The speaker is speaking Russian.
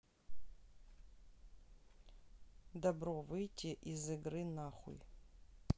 добро выйти из игры нахуй